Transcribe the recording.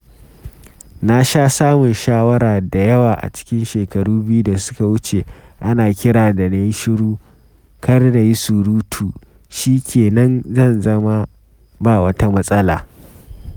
Na sha samun sharawa da yawa a cikin shekaru biyu da suka wuce ana kira da na yi shiru, kar na yi surutu shi ke nan zan zama “ba wata matsala.”